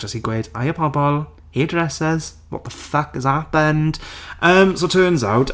Jyst i gweud "haia pobl hairdresses what the fuck has happened?" Uhm, So turns out...